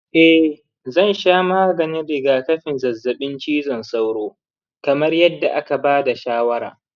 eh, zan sha maganin rigakafin zazzabin cizon sauro kamar yadda aka ba da shawara.